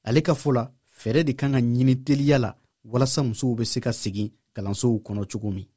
ale ka fɔ la fɛɛrɛ de ka kan ka ɲini teliya la walasa musow bɛ se ka segin kalansow kɔnɔ cogo min